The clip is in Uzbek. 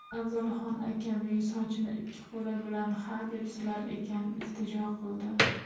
afzalxon akamning sochini ikki qo'li bilan hadeb silar ekan iltijo qildi